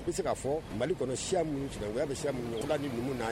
I bɛ se k'a fɔ mali kɔnɔ siya minnu oya bɛ siya minnu ni numu'a ye